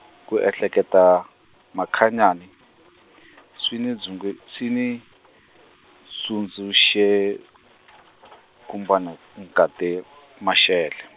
ku ehleketa, Makhanani , swi n'wi dzunge- swi n'wi, tsundzuxe , kombane- nkata Mashele.